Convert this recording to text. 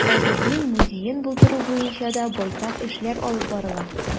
Әдипнең музеен булдыру буенча да байтак эшләр алып барыла.